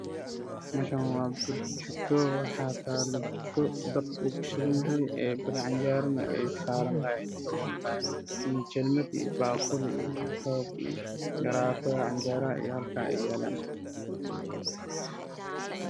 Waa meel banaan waxaad ii muuqdo burjiko lagu karinayo canjeero iyo weeraro oo banaanka yaala